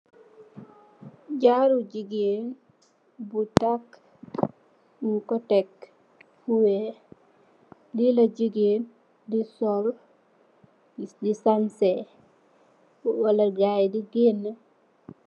Jaru gigeen buny tak ñunko Tek Fu wekh lila jigeen di sol di sanseh Wala gayi di geni.